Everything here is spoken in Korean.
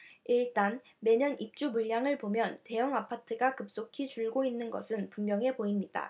일단 매년 입주 물량을 보면 대형아파트가 급속히 줄고 있는 것은 분명해 보입니다